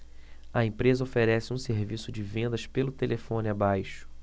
a empresa oferece um serviço de vendas pelo telefone abaixo